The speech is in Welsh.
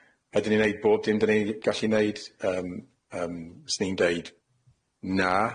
Ydyn ni'n neud bob dim 'dan ni gallu neud? Yym, yym, s'n i'n dweud, na.